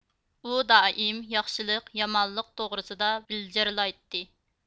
ئۇ دائىم ياخشىلىق يامانلىق توغرىسىدا بىلجېرلايتتى